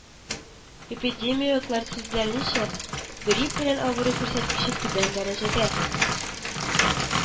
Эпидемиологлар сүзләренчә, грипп белән авыру күрсәткече түбән дәрәҗәдә